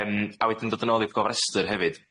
Yym a wedyn dod yn ôl i'r gofrestyr hefyd.